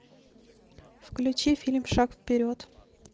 включи фильм шаг вперед